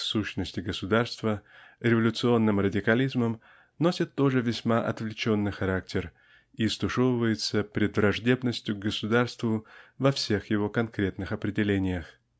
в сущности государства) революционным радикализмом носит тоже весьма отвлеченный характер и стушевывается пред враждебностью к государству во всех его конкретных определениях.